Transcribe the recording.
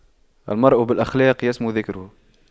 المرء بالأخلاق يسمو ذكره